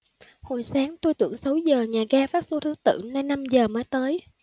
hồi sáng tôi tưởng sáu giờ nhà ga phát số thứ tự nên năm giờ mới tới